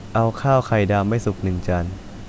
เอาข้าวไข่ดาวไม่สุกหนึ่งจาน